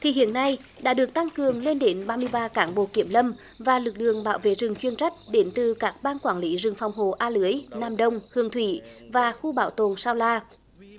thì hiện nay đã được tăng cường lên đến ba mươi ba cán bộ kiểm lâm và lực lượng bảo vệ rừng chuyên trách đến từ các ban quản lý rừng phòng hộ a lưới nam đông hương thủy và khu bảo tồn sao la